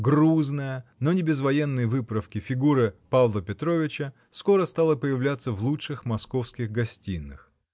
грузная, но не без военной выправки, фигура Павла Петровича скоро стала появляться в лучших московских гостиных.